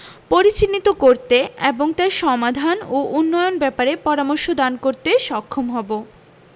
পরিচিহ্নিত করতে এবং তার সমাধান ও উন্নয়ন ব্যাপারে পরামর্শ দান করতে সক্ষম হবো